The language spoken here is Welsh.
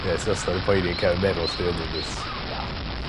Ie ti wastad yn poeni yn cefn meddwl chdi na. Hmm.